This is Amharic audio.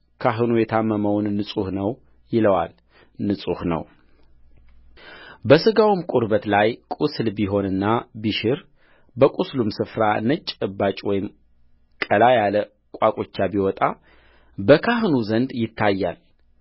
ካህኑ የታመመውን ንጹሕ ነው ይለዋል ንጹሕ ነውበሥጋውም ቁርበት ላይ ቍስል ቢሆንና ቢሽርበቍስሉም ስፍራ ነጭ እባጭ ወይም ቀላ ያለ ቋቁቻ ቢወጣ በካህኑ ዘንድ ይታያል